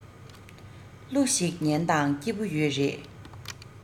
གླུ ཞིག ཉན དང སྐྱིད པོ ཡོད རེད